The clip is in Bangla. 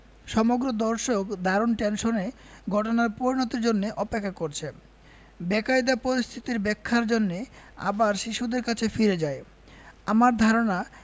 সমগ্র দর্শক দারুণ টেনশনে ঘটনার পরিণতির জন্যে অপেক্ষা করছে বেকায়দা পরিস্থিতির ব্যাখ্যার জন্যে আবার শিশুদের কাছে ফিরে যাই আমার ধারণা